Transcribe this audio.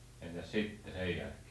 entäs sitten sen jälkeen